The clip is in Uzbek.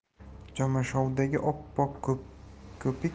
jomashovdagi oppoq ko'pik